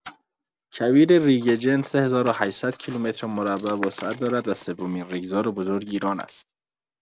کویر ریگ جن ۳ هزار و ۸۰۰ کیلومترمربع وسعت دارد و سومین ریگزار بزرگ ایران است.